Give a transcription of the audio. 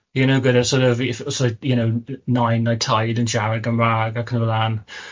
you know, gyda sor' of if sor' of you know, nain neu taid yn siarad Cymraeg ac yn y blaen